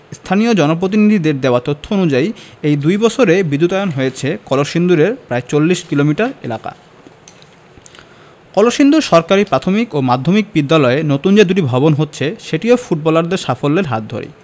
স্থানীয় জনপ্রতিনিধিদের দেওয়া তথ্য অনুযায়ী গত দুই বছরে বিদ্যুতায়ন হয়েছে কলসিন্দুরের প্রায় ৪০ কিলোমিটার এলাকা কলসিন্দুর সরকারি প্রাথমিক ও মাধ্যমিক বিদ্যালয়ে নতুন যে দুটি ভবন হচ্ছে সেটিও ফুটবলারদের সাফল্যের হাত ধরেই